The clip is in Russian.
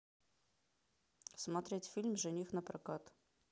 смотреть фильм жених напрокат